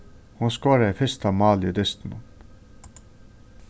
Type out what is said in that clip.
hon skoraði fyrsta málið í dystinum